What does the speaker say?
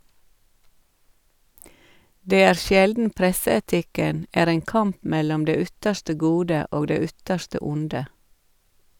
Det er sjelden presseetikken er en kamp mellom det ytterste gode og det ytterste onde.